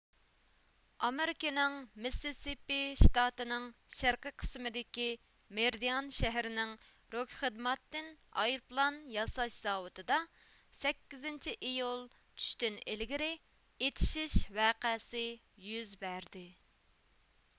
ئامېرىكىنىڭ مىسسىسىپى شتاتىنىڭ شەرقىي قىسمىدىكى مېرىدىئان شەھىرىنىڭ روكخىدماتتىن ئايروپىلان ياساش زاۋۇتىدا سەككىزىنچى ئىيۇل چۈشتىن ئىلگىرى ئېتىشىش ۋەقەسى يۈز بەردى